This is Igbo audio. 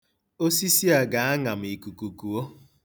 Osisi a ga-aṅa ma ikuku kuo.